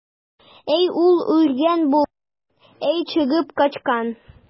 Йә ул үлгән була, йә чыгып качкан.